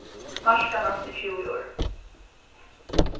marka næstu tjúgu orð